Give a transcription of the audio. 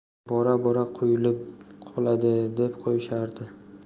bora bora quyulib qoladi deb qo'yishardi